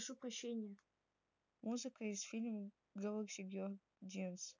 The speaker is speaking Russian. музыка из film galaxy guardians